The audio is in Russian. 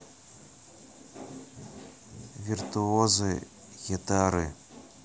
виртуозы гитары